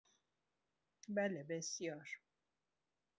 بله بسیار